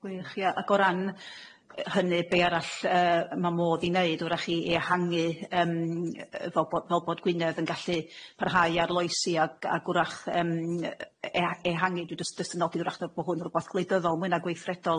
Gwych ia ag o ran hynny be arall yy ma' modd i neud wrach i ehangu yym yy fel bo- fel bod Gwynedd yn gallu parhau arloesi ag a gwrach yym yy e- e- ehangu dwi jyst jyst yn nodi wrach na bo' hwn rwbath gwleidyddol mwy na gweithredol